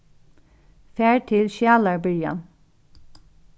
far til skjalarbyrjan